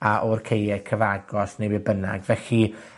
a o'r ceie cyfagos ne' be bynnag, felly,